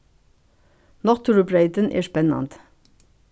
náttúrubreytin er spennandi